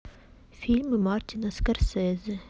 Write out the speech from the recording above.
фильмы мартина скорсезе